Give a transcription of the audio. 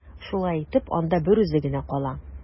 Шулай итеп, анда берүзе генә кала.